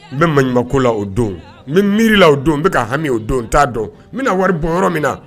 N bɛ ma ɲuman ko la o don ni miirila o don n bɛka ka hami o don t'a dɔn n bɛna wari bɔn yɔrɔ min na